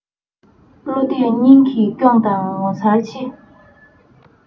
བློ གཏད སྙིང གིས སྐྱོང དང ངོ མཚར ཆེ